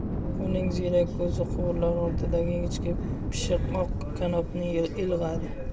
uning ziyrak ko'zi quvurlar ortidagi ingichka pishiq oq kanopni ilg'adi